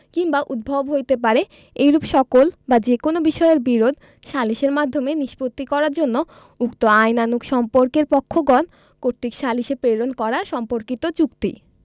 কিংবা উদ্ভব হইতে পারে এইরূপ সকল বা যে কোন বিষয়ের বিরোধ সালিসের মাধ্যমে নিষ্পত্তি করার জন্য উক্ত আইনানুগ সম্পর্কের পক্ষগণ কর্তৃক সালিসে প্রেরণ করা সম্পর্কিত চুক্তি